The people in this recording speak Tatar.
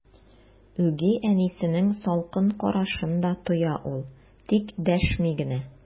Үги әнисенең салкын карашын да тоя ул, тик дәшми генә.